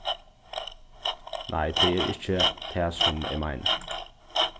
nei tað er ikki tað sum eg meini